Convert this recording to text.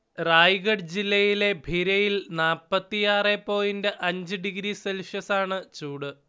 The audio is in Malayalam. റയ്ഗാഡ് ജില്ലയിലെ ഭിരയിൽ നാല്പത്തിയാറെ പോയിന്റ് അഞ്ചു ഡിഗ്രി സെൽഷ്യസാണ് ചൂട്